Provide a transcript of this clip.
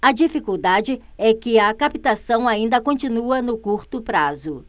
a dificuldade é que a captação ainda continua no curto prazo